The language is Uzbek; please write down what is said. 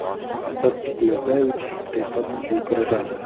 asad bekmirzaevich haqiqat uchun kurashdi